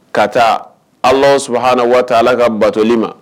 K'a ta Alahu sabahana watala ka batoli ma